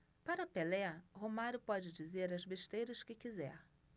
para pelé romário pode dizer as besteiras que quiser